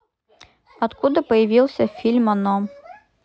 откуда появился фильм оно